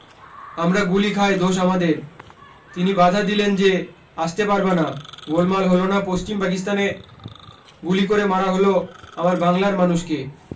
আমরা গুলি খায় দোষ আমাদের তিনি বাধা দিলেন যে আস্তে পারবা না গোলমাল হল না পশ্চিম পাকিস্তানে গুলি করে মারা হল আমার বাংলার মানুষকে